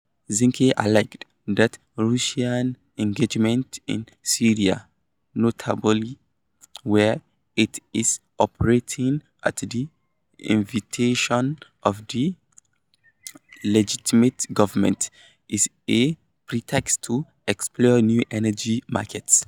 Zinke alleged that Russia's engagement in Syria - notably, where it is operating at the invitation of the legitimate government - is a pretext to explore new energy markets.